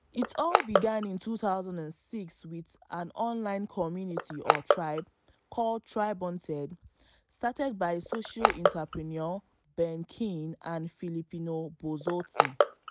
It all began in 2006 with an online community or “tribe” called TribeWanted started by social entrepreneurs Ben Keene and Filippo Bozotti.